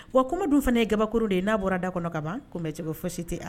Wa kuma dun fana ye kababakoro de ye n'a bɔra da kɔnɔ ka ban kɔmi mɛ cɛ fosi tɛ